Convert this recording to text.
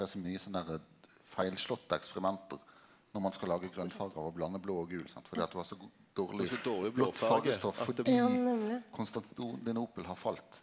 det er så mykje sånn derre feilslåtte eksperiment når ein skal lage grønfargar og blande blå og gul sant fordi at du har så dårleg fargestoff fordi Konstantinopel har falt.